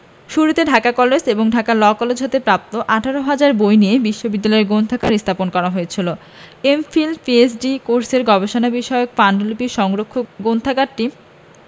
শুরুতে ঢাকা কলেজ ও Dhaka law college হতে প্রাপ্ত ১৮ হাজার বই নিয়ে বিশ্ববিদ্যালয় গ্রন্থাগার স্থাপন করা হয়েছিল এম.ফিল ও পিএইচ.ডি কোর্সের গবেষণা বিষয়ক পান্ডুলিপির সংরক্ষ গ্রন্থাগারটি